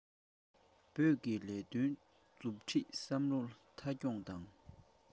བོད ཀྱི ལས དོན གྱི མཛུབ ཁྲིད བསམ བློ མཐའ འཁྱོངས དང